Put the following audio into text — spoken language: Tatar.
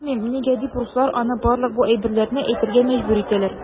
Белмим, нигә дип руслар аны барлык бу әйберләрне әйтергә мәҗбүр итәләр.